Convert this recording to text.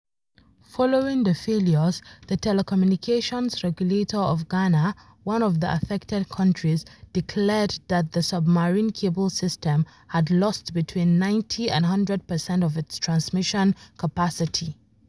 Following the failures, the telecommunications regulator of Ghana, one of the affected countries, declared that the submarine cable system had lost between 90 and 100 percent of its transmission capacity.